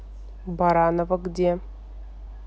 баранова где